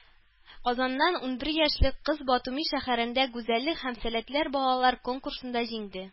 Казаннан ун бер яшьлек кыз Батуми шәһәрендә гүзәллек һәм сәләтләр балалар конкурсында җиңде